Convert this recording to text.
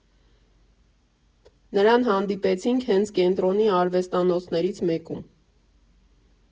Նրան հանդիպեցինք հենց կենտրոնի արվեստանոցներից մեկում։